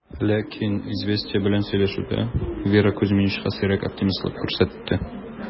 Ләкин "Известия" белән сөйләшүдә Вера Кузьминична сирәк оптимистлык күрсәтте: